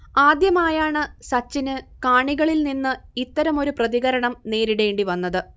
ആദ്യമായാണ് സച്ചിന് കാണികളിൽ നിന്ന് ഇത്തരമൊരു പ്രതികരണം നേരിടേണ്ടിവന്നത്